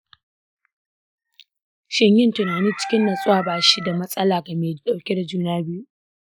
shin yin tunani cikin nutsuwa ba shi da matsala ga mai ɗauke da juna biyu?